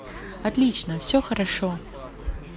отлично все хорошо